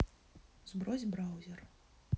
сбрось браузер